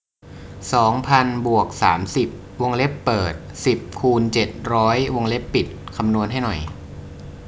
สองพันบวกสามสิบวงเล็บเปิดสิบคูณเจ็ดร้อยวงเล็บปิดคำนวณให้หน่อย